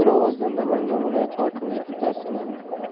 ovozdan namangan viloyati hokimi etib tasdiqlandi